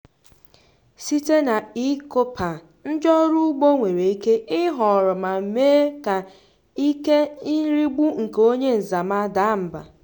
Site na eChoupal, ndị ọrụ ugbo nwere ike ịhọrọ ma mee ka ike nrigbu nke onye nzama daa mba.